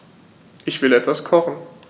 Ich will etwas kochen.